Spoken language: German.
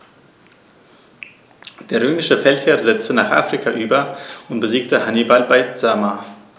Der römische Feldherr setzte nach Afrika über und besiegte Hannibal bei Zama.